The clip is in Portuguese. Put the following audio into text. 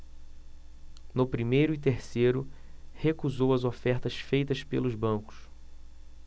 no primeiro e terceiro recusou as ofertas feitas pelos bancos